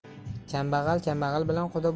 kambag'al kambag'al bilan quda